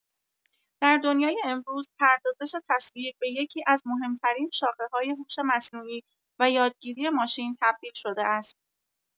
در دنیای امروز، پردازش تصویر به یکی‌از مهم‌ترین شاخه‌های هوش مصنوعی و یادگیری ماشین تبدیل شده است.